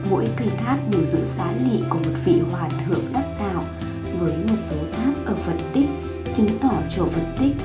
mỗi cây tháp đều giữ xá lị của một vị hòa thượng đắc đạo với một số tháp ở phật tích chứng tỏ chùa phật tích